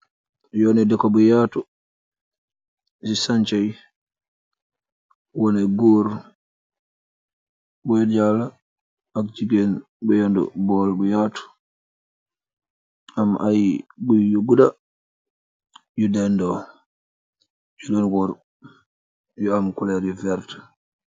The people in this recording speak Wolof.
Yuni deka bu yatu si sancha yi woneh goor gorr yala app jigeen bu ennu bowl bu yatu aam aii gui yu guda yu guda yu nenn duu senn borr yu aam colur yu vertah.